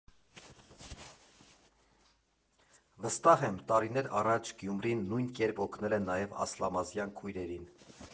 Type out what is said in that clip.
Վստահ եմ, տարիներ առաջ Գյումրին նույն կերպ օգնել է նաև Ասլամազյան քույրերին։